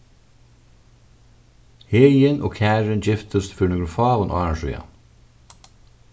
heðin og karin giftust fyri nøkrum fáum árum síðani